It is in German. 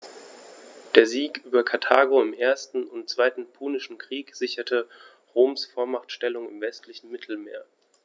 Der Sieg über Karthago im 1. und 2. Punischen Krieg sicherte Roms Vormachtstellung im westlichen Mittelmeer.